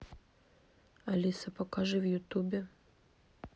алиса покажи в ютубе